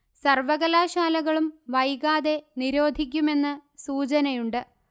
സർവകലാശാലകളും വൈകാതെ നിരോധിക്കുമെന്ന്സൂചനയുണ്ട്